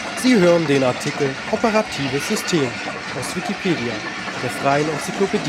Sie hören den Artikel Operatives System, aus Wikipedia, der freien Enzyklopädie